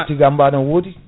piyamba ne wodi